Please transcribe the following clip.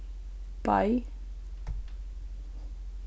bei